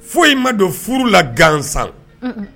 Foyi ma don furu la gansan, unun.